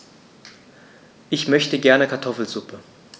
Ich möchte gerne Kartoffelsuppe.